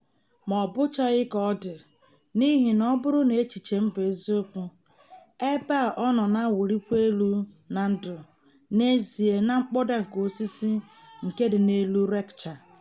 Ma ọ bụchaghị ka ọ dị, n'ihi na ọ bụrụ na echiche m bụ eziokwu, ebe a ọ nọ na-awụlikwa elu na ndụ n'ezie na mkpọda nke osisi nke dị n'elu Rekcha.